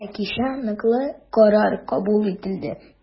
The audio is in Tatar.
Ә кичә ныклы карар кабул ителде.